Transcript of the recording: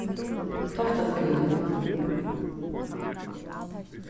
tofta skúli